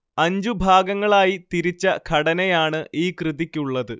അഞ്ചു ഭാഗങ്ങളായി തിരിച്ച ഘടനയാണ് ഈ കൃതിക്കുള്ളത്